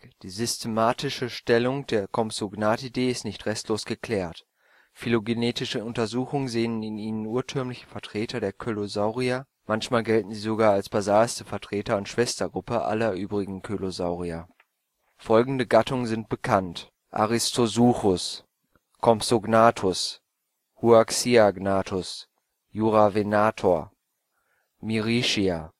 Die systematische Stellung der Compsognathidae ist nicht restlos geklärt, phylogenetische Untersuchungen sehen in ihnen urtümliche Vertreter der Coelurosauria; manchmal gelten sie sogar als basalste Vertreter und Schwestergruppe aller übrigen Coelurosauria. Folgende Gattungen sind bekannt: Aristosuchus Compsognathus Huaxiagnathus Juravenator Mirischia